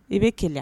I bɛ kɛlɛ